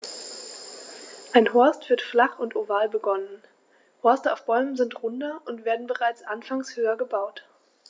Ein Horst wird flach und oval begonnen, Horste auf Bäumen sind runder und werden bereits anfangs höher gebaut.